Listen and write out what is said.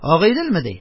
Агыйделме? - ди.